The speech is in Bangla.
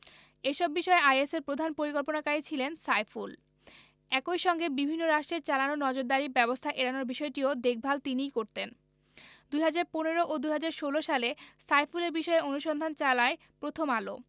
এসব বিষয়ে আইএসের প্রধান পরিকল্পনাকারী ছিলেন সাইফুল একই সঙ্গে বিভিন্ন রাষ্ট্রের চালানো নজরদারি ব্যবস্থা এড়ানোর বিষয়টিও দেখভাল তিনিই করতেন ২০১৫ ও ২০১৬ সালে সাইফুলের বিষয়ে অনুসন্ধান চালায় প্রথম আলো